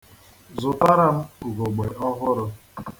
Zụtara m ugegbe ọhụrụ.